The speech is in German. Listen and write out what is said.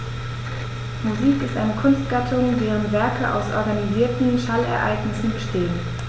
Musik ist eine Kunstgattung, deren Werke aus organisierten Schallereignissen bestehen.